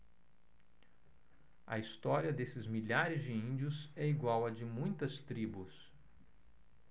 a história desses milhares de índios é igual à de muitas tribos